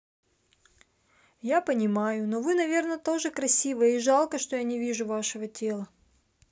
я понимаю но вы наверное тоже красивое и жалко что я вас не вижу вашего тела